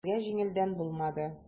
Безгә җиңелдән булмады.